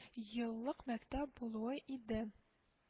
Еллык мәктәп булуы иде